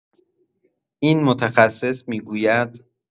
این متخصص می‌گوید